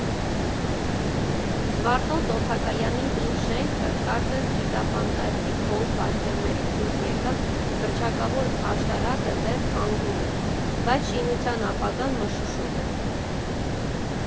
«Զվարթնոց» օդակայանի հին շենքը, կարծես գիտաֆանտաստիկ բոլքբասթերներից դուրս եկած հռչակավոր աշտարակը դեռ կանգուն է, բայց շինության ապագան մշուշոտ է։